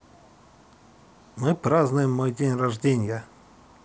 мы празднуем мой день рождения